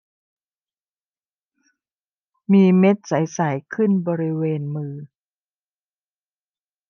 มีเม็ดใสใสขึ้นบริเวณมือ